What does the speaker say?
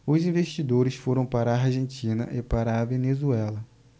os investidores foram para a argentina e para a venezuela